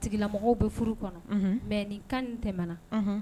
Tigilamɔgɔw be furu kɔnɔ unhun mais nin cas nin tɛmɛna unhun